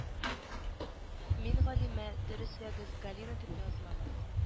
Мин галимә дөресләгез галина дип язмагыз